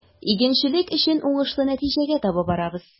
Игенчелек өчен уңышлы нәтиҗәгә таба барабыз.